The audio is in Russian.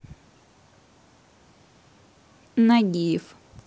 нагиев